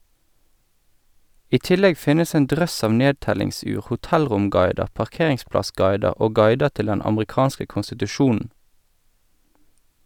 I tillegg finnes en drøss av nedtellingsur, hotellromguider, parkeringsplassguider og guider til den amerikanske konstitusjonen.